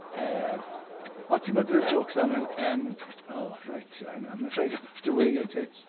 Yym o't ti'n meddwl y jôcs am yym... O reit. I'm I'm afraid I'll have to weigh your tits.